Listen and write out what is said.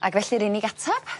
Ag felly'r unig atab